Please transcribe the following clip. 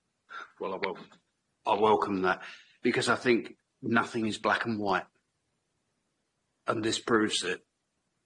Ie wel I wel- I'll welcome that because I think nothing is black and white and this proves it.